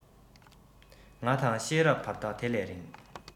ང དང ཤེས རབ བར ཐག དེ ལས རིང